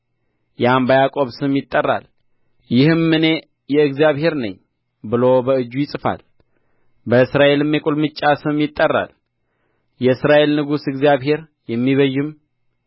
ያም በያዕቆብ ስም ይጠራል ይህም እኔ የእግዚአብሔር ነኝ ብሎ በእጁ ይጽፋል በእስራኤልም የቁልምጫ ስም ይጠራል የእስራኤል ንጉሥ እግዚአብሔር የሚቤዥም